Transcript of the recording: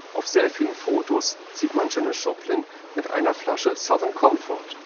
Auf sehr vielen Fotos sieht man Janis Joplin mit einer Flasche Southern Comfort